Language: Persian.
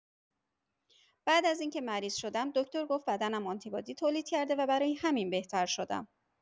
بعد از این که مریض شدم، دکتر گفت بدنم آنتی‌بادی تولید کرده و برای همین بهتر شدم.